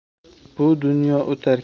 bu dunyo o'tar